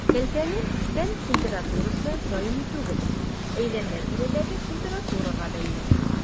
Кәлтәнең тән температурасы даими түгел, әйләнә-тирәдәге температурага бәйле.